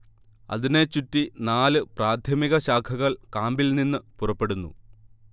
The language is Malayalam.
അതിനെ ചുറ്റി നാല് പ്രാഥമിക ശാഖകൾ കാമ്പിൽ നിന്ന് പുറപ്പെടുന്നു